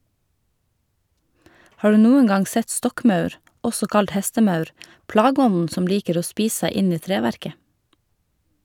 Har du noen gang sett stokkmaur, også kalt hestemaur, plageånden som liker å spise seg inn i treverket?